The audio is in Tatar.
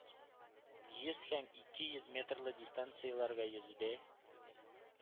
Йөз һәм ике йөз метрлы дистанцияләргә йөзүдә